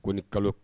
Ko ni kalo